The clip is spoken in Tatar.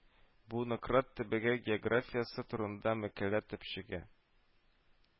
Бу Нократ төбәге географиясе турында мәкалә төпчеге